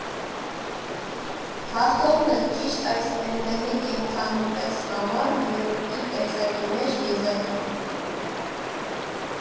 Հաղթողն էլ ճիշտ այս էնդեմիկ կենդանու պես համառ է և իր տեսակի մեջ եզակի։